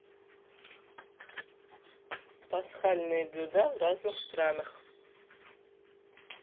пасхальные блюда в разных странах